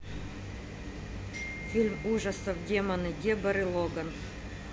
фильм ужасов демоны деборы логан